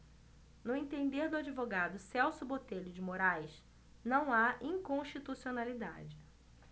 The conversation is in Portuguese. no entender do advogado celso botelho de moraes não há inconstitucionalidade